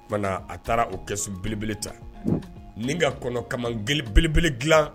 A taara o kɛ sun belebele ta nin ka kɔnɔ ka belebele dilan